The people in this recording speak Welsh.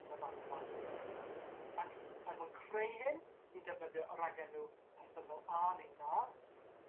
yn y fan yma. Ac er mwyn creu hyn ni'n defnyddio y ragenw a neu na